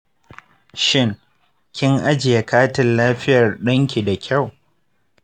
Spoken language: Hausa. shin kin ajiye katin lafiyar danki da kyau?